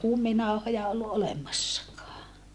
kuminauhoja ollut olemassakaan